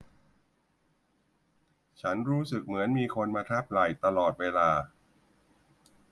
ฉันรู้สึกเหมือนมีคนมาทับไหล่ตลอดเวลา